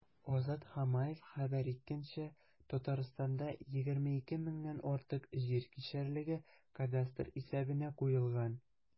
Азат Хамаев хәбәр иткәнчә, Татарстанда 22 меңнән артык җир кишәрлеге кадастр исәбенә куелган.